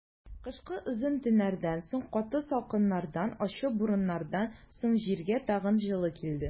Кышкы озын төннәрдән соң, каты салкыннардан, ачы бураннардан соң җиргә тагын җылы килде.